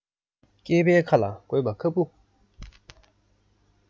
སྐྱེས པའི ཁ ལ དགོས པ ཁ སྤུ